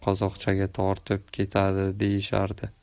qozoqchaga tortib ketadi deyishardi